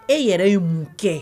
E yɛrɛ ye mun kɛ